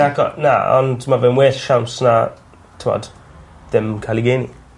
Naco- na ond ma' fe'n well siawns na t'wod dim ca'l 'i geni.